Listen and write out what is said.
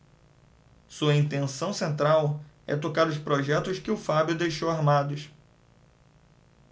sua intenção central é tocar os projetos que o fábio deixou armados